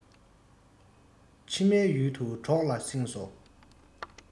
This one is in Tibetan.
ཕྱི མའི ཡུལ དུ གྲོགས ལ བསྲིངས སོ